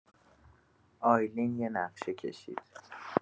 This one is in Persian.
آیلین یه نقشه کشید.